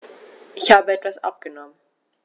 Ich habe etwas abgenommen.